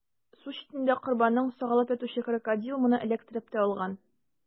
Су читендә корбанын сагалап ятучы Крокодил моны эләктереп тә алган.